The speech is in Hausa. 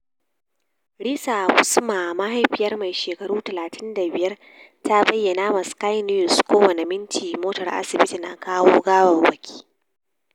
Ruwa mai tsafta na da wahalar samu.